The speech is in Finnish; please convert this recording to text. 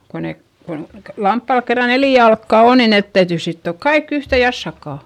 kun ne kun lampaalla kerran neljä jalkaa on niin ne täytyy sitoa kaikki yhteen jassakkaan